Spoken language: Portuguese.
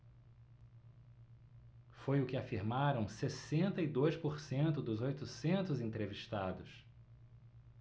foi o que afirmaram sessenta e dois por cento dos oitocentos entrevistados